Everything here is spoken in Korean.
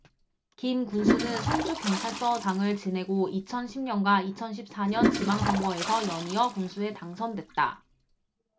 김 군수는 성주경찰서장을 지내고 이천 십 년과 이천 십 사 년 지방선거에서 연이어 군수에 당선됐다